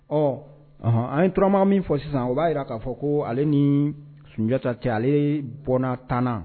Ɔ an turama min fɔ sisan u b'a jira k'a fɔ ko ale ni sunjatadita cɛ ale bɔn tanana